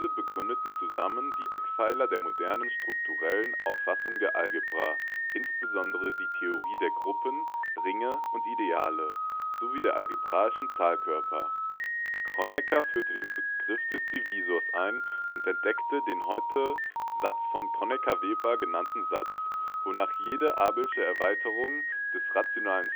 begründeten zusammen die Eckpfeiler der modernen strukturellen Auffassung der Algebra, insbesondere die Theorie der Gruppen, Ringe und Ideale sowie der algebraischen Zahlkörper. Kronecker führte den Begriff eines Divisors ein und entdeckte den heute Satz von Kronecker-Weber genannten Satz, wonach jede abelsche Erweiterung des rationalen